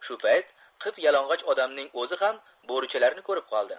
shu payt qip yalang'och odamning o'zi ham bo'richalarni ko'rib qoldi